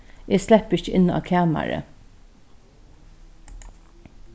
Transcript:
eg sleppi ikki inn á kamarið